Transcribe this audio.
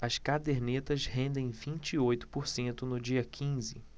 as cadernetas rendem vinte e oito por cento no dia quinze